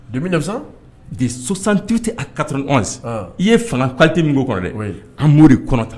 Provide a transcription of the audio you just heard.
De 1900, de 68 à 91 ɔn, i ye fanga qualité moin ye o kɔnɔ dɛ, oui an b'a de kɔnɔ tan